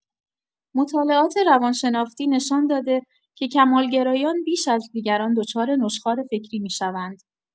مطالعات روان‌شناختی نشان داده که کمال‌گرایان بیش از دیگران دچار نشخوار فکری می‌شوند.